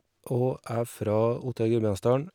Og er fra Otta i Gudbrandsdalen.